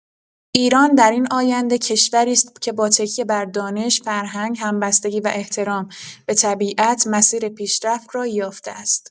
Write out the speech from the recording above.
ایران در این آینده، کشوری است که با تکیه بر دانش، فرهنگ، همبستگی و احترام به طبیعت، مسیر پیشرفت را یافته است.